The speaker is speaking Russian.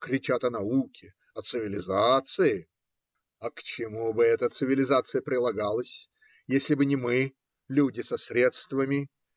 Кричат о науке, о цивилизации, а к чему бы эта цивилизация прилагалась, если бы не мы, люди со средствами?